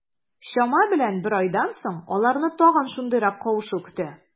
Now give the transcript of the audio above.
Чама белән бер айдан соң, аларны тагын шушындыйрак кавышу көтә.